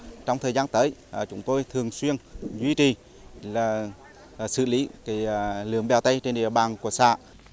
trong thời gian tới chúng tôi thường xuyên duy trì là xử lý cái lượng bèo tây trên địa bàn của xã